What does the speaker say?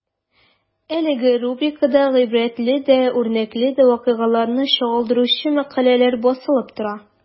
Әлеге рубрикада гыйбрәтле дә, үрнәкле дә вакыйгаларны чагылдыручы мәкаләләр басылып тора.